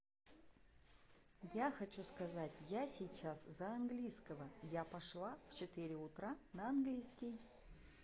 я хочу сказать я сейчас за английского я пошла в четыре утра на английский